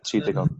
tri deg awr yn